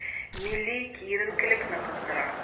Милли киеренкелекне кыздыра.